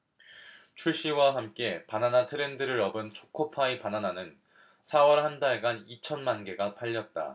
출시와 함께 바나나 트렌드를 업은 초코파이 바나나는 사 월 한 달간 이천 만개가 팔렸다